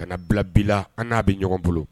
Ka na bila bi la, an n'a bɛ ɲɔgɔn bolo.